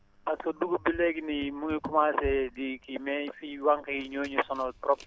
parce que dugub bi léegi nii mu ngi commencé di kii mais fii wànq yi ñoo ñu sonal trop